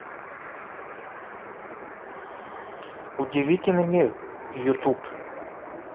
удивительный мир ютуб